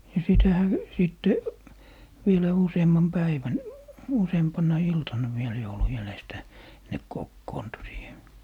ja sitähän sitten vielä useamman päivän useampana iltana vielä joulun jäljestä ne kokoontui siihen